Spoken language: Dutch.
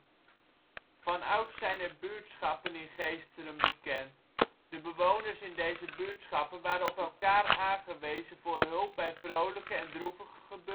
Vanouds zijn er buurtschappen in Geesteren bekend. De bewoners in deze buurtschappen waren op elkaar aangewezen voor hulp bij vrolijke en droevige gebeurtenissen